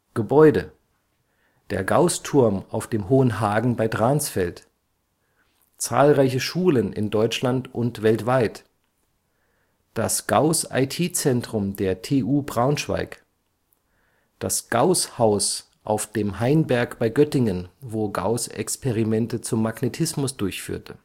Gebäude der Gaußturm auf dem Hohen Hagen bei Dransfeld zahlreiche Schulen in Deutschland und weltweit das Gauß IT Zentrum der TU Braunschweig das Gauß-Haus auf dem Hainberg bei Göttingen, wo Gauß Experimente zum Magnetismus durchführte